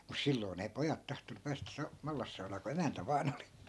mutta silloin ei pojat tahtonut päästä - mallassaunaan kun emäntä vain oli